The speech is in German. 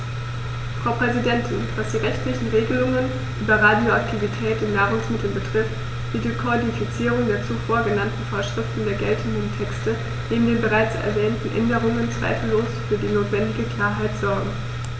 Frau Präsidentin, was die rechtlichen Regelungen über Radioaktivität in Nahrungsmitteln betrifft, wird die Kodifizierung der zuvor genannten Vorschriften der geltenden Texte neben den bereits erwähnten Änderungen zweifellos für die notwendige Klarheit sorgen.